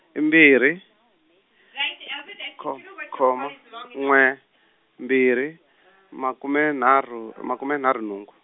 i mbirhi, kho-, khoma, n'we, mbirhi, makume nharhu, makume nharhu nhungu.